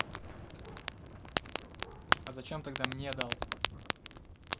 а зачем тогда мне дал